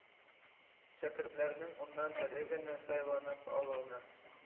Шәкертләрнең уннан бере генә сайланып алына.